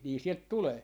niin sieltä tulee